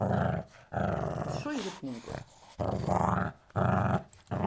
tríhyrningur